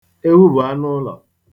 Ewu bụ anụụlọ.